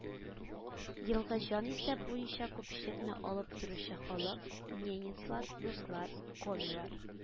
Елгы җанисәп буенча күпчелекне алып торучы халык: ненецлар , руслар , комилар